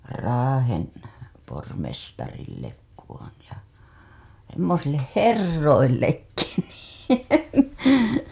Raahen pormestarille kudoin ja semmoisille herroillekin niin